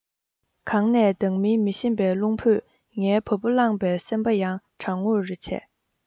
གང ནས ལྡང མིན མི ཤེས པའི རླུང བུས ངའི བ སྤུ བསླངས པས སེམས པ ཡང གྲང འུར རེ བྱས